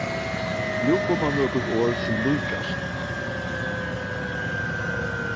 nú koma nøkur orð sum líkjast